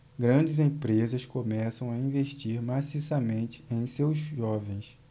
grandes empresas começam a investir maciçamente em seus jovens